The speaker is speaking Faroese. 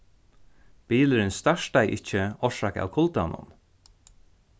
bilurin startaði ikki orsakað av kuldanum